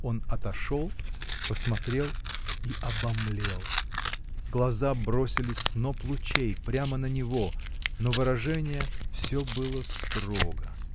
Он отошел, посмотрел и обомлел: глаза бросили сноп лучей прямо на него, но выражение всё было строго.